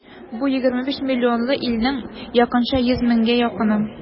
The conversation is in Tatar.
Бу егерме биш миллионлы илнең якынча йөз меңгә якыны.